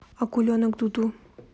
акуленок ду ду